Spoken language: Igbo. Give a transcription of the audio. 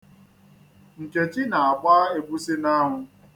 Nkechi na-agba egwusi n'anwụ.